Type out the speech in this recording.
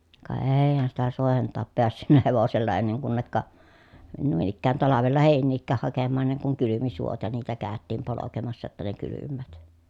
ka eihän sitä soiden taa päässyt hevosella ennen kunne noin ikään talvella heiniäkään hakemaan ennen kuin kylmi suot ja niitä käytiin polkemassa jotta ne kylmäävät